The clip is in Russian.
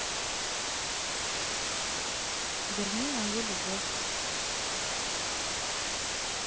верни мою любовь